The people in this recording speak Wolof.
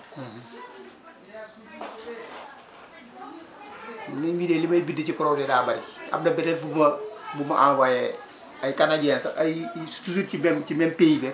mbir mi de li may bind ci projet daa bëri am na beneen bu ma bu ma envoyé ay canadiens sax ay toujours ci même ci même pays be